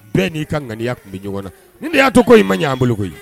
Bɛɛ n'i ka ŋaniya tun bɛ ɲɔgɔn na n'i y'a to ko i ma ɲɛ' an boloko ye